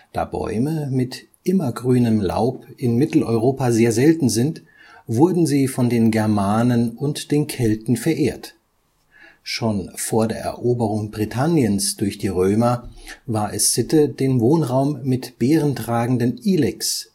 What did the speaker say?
Da Bäume mit immergrünem Laub in Mitteleuropa sehr selten sind, wurden sie von den Germanen und den Kelten verehrt. Schon vor der Eroberung Britanniens durch die Römer war es Sitte, den Wohnraum mit beerentragenden Ilex-Ästen